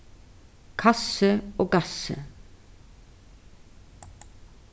kassi og gassi